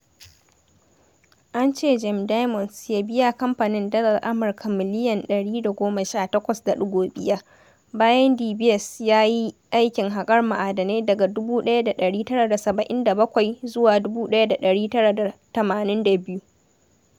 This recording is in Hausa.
An ce Gem Diamonds ya biya kamfanin dalar Amurka miliyan 118.5 bayan De Beers ya yi aikin haƙar ma'adanan daga 1977 zuwa 1982.